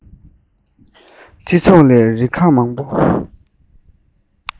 སྤྱི ཚོགས ལས རིགས ཁག མང པོ